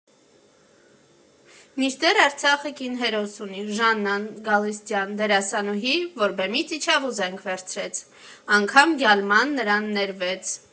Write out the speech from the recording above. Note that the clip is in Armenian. Մինչդեռ Արցախը կին հերոս ունի՝ Ժաննան Գալստյան՝ դերասանուհի, որ բեմից իջավ ու զենք վերցրեց (անգամ «գյալմա»֊ն նրան ներվեց)։